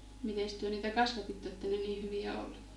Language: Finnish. mitenkäs te niitä kasvatitte että ne niin hyviä oli